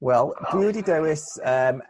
Wel dwi wedi dewis yym